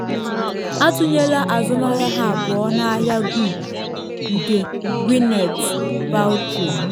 Atụnyela azụmahịa ha abụọ n’ahịa Goop nke Gwyneth Paltrow.